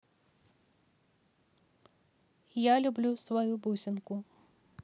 я люблю свою бусинку